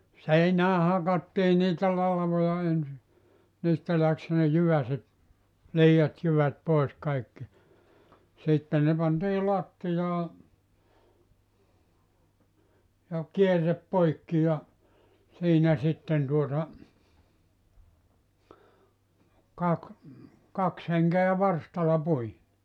seinään hakattiin niitä latvoja ensin niistä lähti ne jyväset liiat jyvät pois kaikki sitten ne pantiin lattiaan ja kierre poikki ja siinä sitten tuota - kaksi henkeä varstalla pui